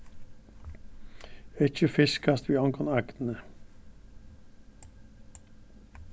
ikki fiskast við ongum agni